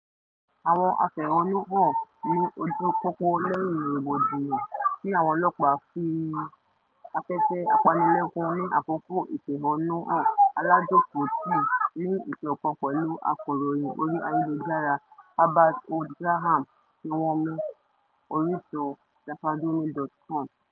Àwọn afẹ̀hónúhàn ní ojú pópó lẹ́yìn rògbòdìyàn tí àwọn ọlọ́pàá fi yin afẹ́fẹ́ apanilẹ́kún ní àkókò ìfẹ̀hónúhàn-alájòkòótì ní ìṣọ̀kan pẹ̀lú akọ̀ròyìn orí ayélujára Abbass Ould Braham tí wọ́n mú (orísun: Taqadoumy.com)